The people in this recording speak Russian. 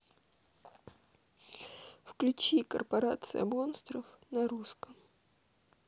включи корпорация монстров на русском